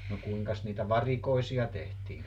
no kuinkas niitä varikoisia tehtiin